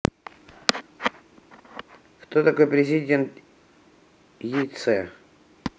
кто такой президент яйце